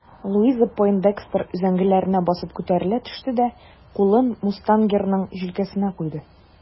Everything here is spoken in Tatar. Луиза Пойндекстер өзәңгеләренә басып күтәрелә төште дә кулын мустангерның җилкәсенә куйды.